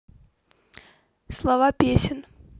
слова песен